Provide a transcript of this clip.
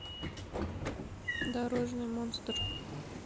дорожный монстр